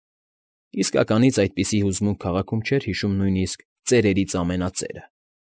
Իսկականից այդպիսի հուզմունքը քաղաքում չէր հիշում նույնիսկ ծերերից ամենածերը։